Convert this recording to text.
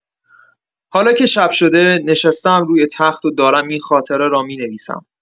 حالا که شب شده، نشسته‌ام روی تخت و دارم این خاطره را می‌نویسم.